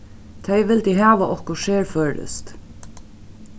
tey vildu hava okkurt serføroyskt